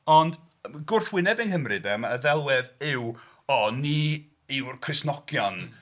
Ond gwrthwyneb yng Nghymru 'de, mae y ddelwedd yw; "O, ni yw'r Cristnogion..."